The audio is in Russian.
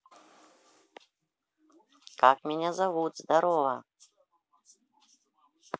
как меня зовут здорово